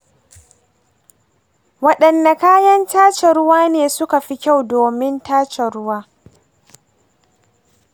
waɗanne kayan tace ruwa ne suka fi kyau domin tace ruwa?